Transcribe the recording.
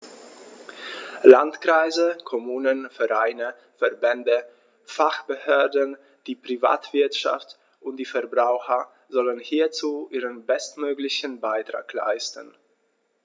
Landkreise, Kommunen, Vereine, Verbände, Fachbehörden, die Privatwirtschaft und die Verbraucher sollen hierzu ihren bestmöglichen Beitrag leisten.